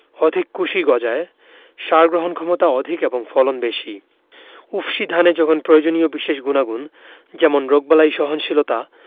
অধিক কুশি গজায় সার গ্রহণক্ষমতা অধিক এবং ফলন বেশি উফশী ধানে যখন প্রয়োজনীয় বিশেষ গুনাগুণ যেমন রোগবালাই সহনশীলতা